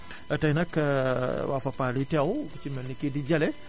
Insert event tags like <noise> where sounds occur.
<blows air> tay nag <hesitation> waa Fapal yi teew ku ci mel ne kii di Jalle